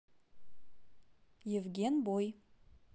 евген бой